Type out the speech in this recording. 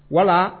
Wala